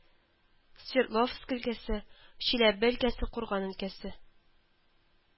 Свердловск өлкәсе, Чиләбе өлкәсе, Курган өлкәсе